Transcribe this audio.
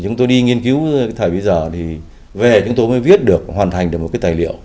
chúng tôi đi nghiên cứu người thời bấy giờ thì về chúng tôi mới viết được hoàn thành được một cái tài liệu